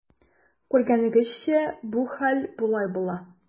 Күргәнегезчә, бу хәл болай була.